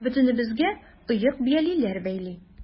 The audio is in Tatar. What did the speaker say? Бөтенебезгә оек-биялиләр бәйли.